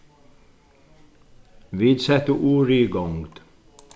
vit settu urið í gongd